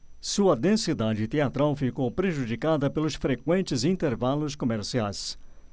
sua densidade teatral ficou prejudicada pelos frequentes intervalos comerciais